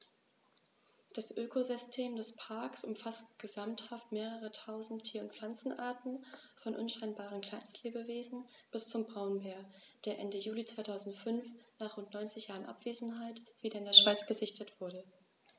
Das Ökosystem des Parks umfasst gesamthaft mehrere tausend Tier- und Pflanzenarten, von unscheinbaren Kleinstlebewesen bis zum Braunbär, der Ende Juli 2005, nach rund 90 Jahren Abwesenheit, wieder in der Schweiz gesichtet wurde.